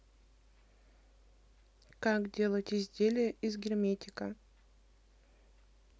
как делать изделия из герметика